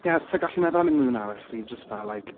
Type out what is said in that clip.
Ie, sa i'n gallu meddwl am unrhyw un arall, fi jyst fel like...